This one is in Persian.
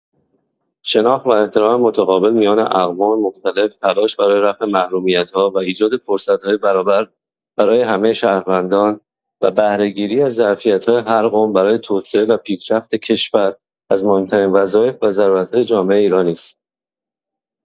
شناخت و احترام متقابل میان اقوام مختلف، تلاش برای رفع محرومیت‌ها و ایجاد فرصت‌های برابر برای همه شهروندان، و بهره‌گیری از ظرفیت‌های هر قوم برای توسعه و پیشرفت کشور، از مهم‌ترین وظایف و ضرورت‌های جامعه ایرانی است.